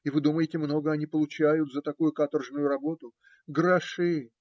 И вы думаете, много они получают за такую каторжную работу? Гроши!